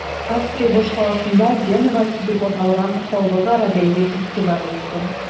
Австрия башкаласында “Вена вальсы” дип аталган халыкара бәйге-фестиваль үтте.